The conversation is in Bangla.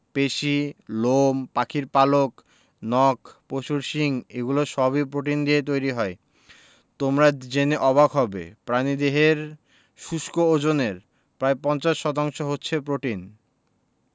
পেশি লোম পাখির পালক নখ পশুর শিং এগুলো সবই প্রোটিন দিয়ে তৈরি হয় তোমরা জেনে অবাক হবে প্রাণীদেহের শুষ্ক ওজনের প্রায় ৫০% হচ্ছে প্রোটিন